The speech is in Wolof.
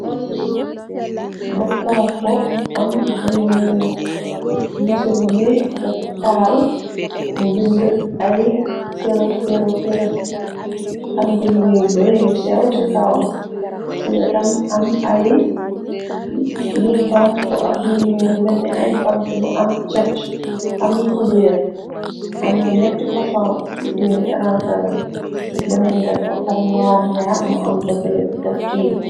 Mbasin bu xonko amësinri dafa taal mu bind ay seroeroeo. Am bind yu bari yu sew ci kawam ci wetam am ay yu xoŋ ko ak yuñuul menni ay bant. Bu am cet ami kubeer. Am na ñetti fasoŋ yuñ ransala bunañu daf ko parñaar ñaar mu am botare bu ko tiim.